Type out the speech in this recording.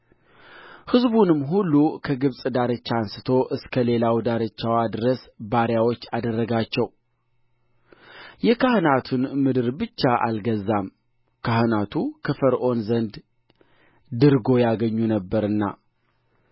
ሕዝቡንም ሁሉ ከግብፅ ዳርቻ አንሥቶ እስከ ሌላው ዳርቻዋ ድረስ ባሪያዎች አደረጋቸው የካህናትን ምድር ብቻ አልገዛም ካህናቱ ከፈርዖን ዘንድ ድርጎ ያገኙ ነበርና